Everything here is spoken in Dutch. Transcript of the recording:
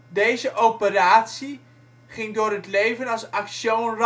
Deze operatie ging door het leven als Aktion